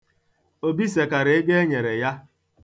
Obi sekara ego e nyere ya.